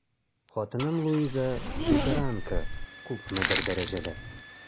Хатыным Луиза, лютеранка, күпмедер дәрәҗәдә...